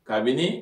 Kabini